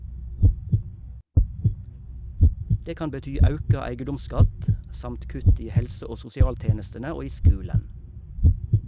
Det kan bety auka eigedomsskatt, samt kutt i helse- og sosialtenestene og i skulen.